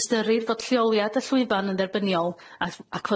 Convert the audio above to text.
Ystyrir fod lleoliad y llwyfan yn dderbyniol af- ac